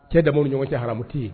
Cɛ damaw ni ɲɔgɔn cɛ haramu tɛ yen.